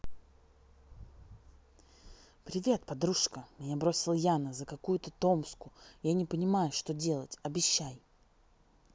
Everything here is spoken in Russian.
привет подружка меня бросила яна за какую то томску я не понимаю что делать обещай